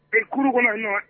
A kuruurun kɔnɔ na